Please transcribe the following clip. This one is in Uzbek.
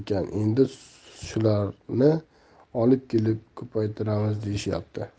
ekan endi shularni olib kelib ko'paytiramiz deyishyapti